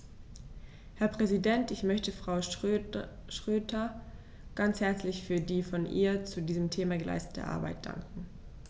Herr Präsident, ich möchte Frau Schroedter ganz herzlich für die von ihr zu diesem Thema geleistete Arbeit danken.